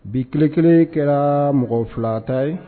Bi tile kelen kɛra mɔgɔ filata ye